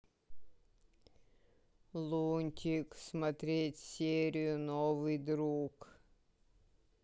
лунтик смотреть серию новый друг